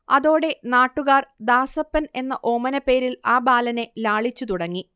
അതോടെ നാട്ടുകാർ ദാസപ്പൻ എന്ന ഓമനപ്പേരിൽ ആ ബാലനെ ലാളിച്ചു തുടങ്ങി